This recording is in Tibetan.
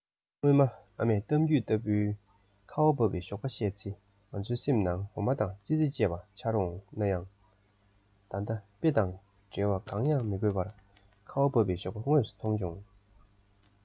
སྔོན མ ཨ མས གཏམ རྒྱུད ལྟ བུའི ཁ བ བབས པའི ཞོགས པ བཤད ཚེ ང ཚོའི སེམས ནང འོ མ དང ཙི ཙི བཅས པ འཆར འོང ན ཡང ད ནི དཔེ དང འགྲེལ བ གང ཡང མི དགོས པར ཁ བ འབབ པའི ཞོགས པ དངོས སུ མཐོང བྱུང